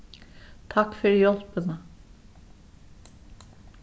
takk fyri hjálpina